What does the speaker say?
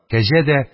Кәҗә дә